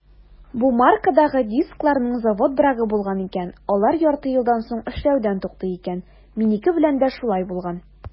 Бу маркадагы дискларның завод брагы булган икән - алар ярты елдан соң эшләүдән туктый икән; минеке белән дә шулай булган.